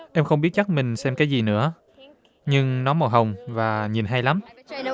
em không biết chắc mừn xem cái gì nữa nhưng nó màu hồng và nhìn hay lắm